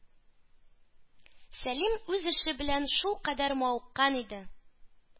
Сәлим үз эше белән шулкадәр мавыккан иде,